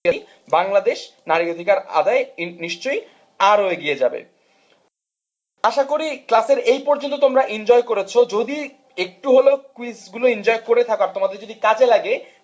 করি বাংলাদেশে নারী অধিকার আদায়ের নিশ্চয়ই আরও এগিয়ে যাবে আশা করি ক্লাসে এই পর্যন্ত তোমরা এনজয় করেছো যদি একটুও কুইজগুলো এনজয় করে থাকো তোমাদের যদি কাজে লাগে